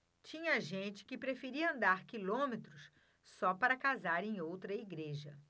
tinha gente que preferia andar quilômetros só para casar em outra igreja